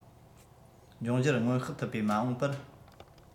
འབྱུང འགྱུར སྔོན དཔག ཐུབ པའི མ འོངས པར